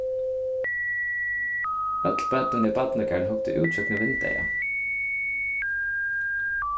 øll børnini í barnagarðinum hugdu út gjøgnum vindeygað